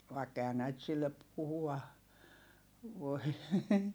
vaikka eihän näitä sille puhua voi